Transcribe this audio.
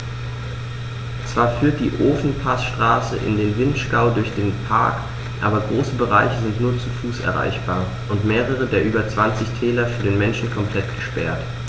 Zwar führt die Ofenpassstraße in den Vinschgau durch den Park, aber große Bereiche sind nur zu Fuß erreichbar und mehrere der über 20 Täler für den Menschen komplett gesperrt.